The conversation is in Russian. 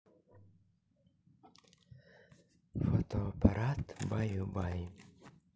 фотоаппарат баю бай